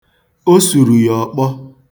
O suru ya ọkpọ.